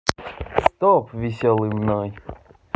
стоп веселый мной